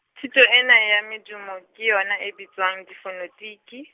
Thuto ena ya medumo, ke yona e bitswang difonetiki.